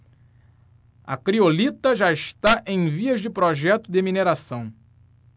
a criolita já está em vias de projeto de mineração